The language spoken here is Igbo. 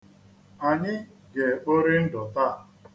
Anyị ga-ekpori ndụ taa.